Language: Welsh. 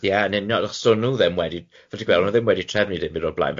Ie, yn union achos do'n nhw ddim wedi, fel ti'n gweld, o'n nhw ddim wedi trefnu dim byd o'r blaen felly